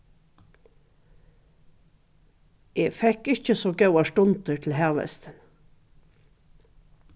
eg fekk ikki so góðar stundir til havhestin